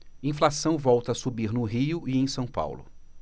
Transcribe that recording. inflação volta a subir no rio e em são paulo